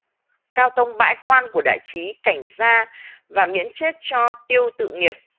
cao tông bãi quan của đại trí cảnh gia và miễn chết cho tiêu tự nghiệp